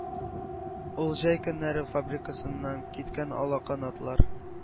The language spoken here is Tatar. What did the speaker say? Ул җәй көннәре фабрикасыннан киткән алаканатлар,